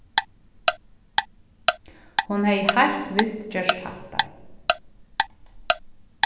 hon hevði heilt vist gjørt hatta